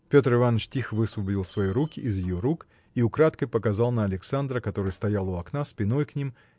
Петр Иваныч тихо высвободил свои руки из ее рук и украдкой показал на Александра который стоял у окна спиной к ним